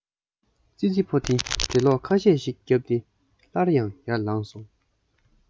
ཙི ཙི ཕོ དེ འགྲེ སློག ཁ ཤས ཤིག བརྒྱབ སྟེ སླར ཡང ཡར ལངས སོང